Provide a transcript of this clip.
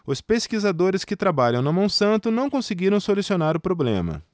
os pesquisadores que trabalham na monsanto não conseguiram solucionar o problema